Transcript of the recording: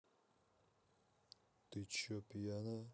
ты че пьяная